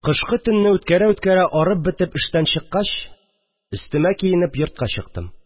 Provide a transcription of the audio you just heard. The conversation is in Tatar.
Кышкы төнне үткәрә-үткәрә арып бетеп эштән чыккач, өстемә киенеп, йортка чыктым